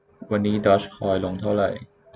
วันนี้ดอร์จคอยลงเท่าไหร่